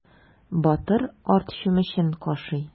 Батыр арт чүмечен кашый.